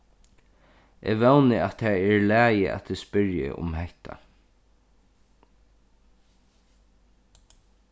eg vóni at tað er í lagi at eg spyrji um hetta